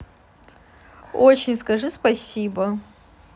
очень скажи спасибо